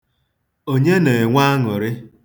Onye na-enwe anụrị?